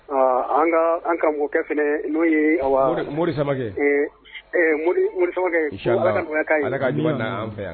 Aa an an ka mɔkɛ f n'o ye mori na